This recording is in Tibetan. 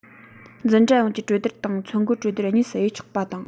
འཛིན གྲྭ ཡོངས ཀྱི གྲོས སྡུར དང ཚོ བགོད གྲོས སྡུར གཉིས སུ དབྱེ ཆོག པ དང